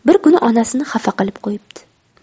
bir kuni onasini xafa qilib qo'yibdi